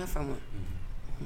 I y'a fa ma